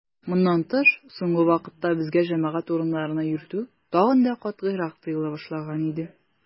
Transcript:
Моннан тыш, соңгы вакытта безгә җәмәгать урыннарына йөрү тагын да катгыйрак тыела башлаган иде.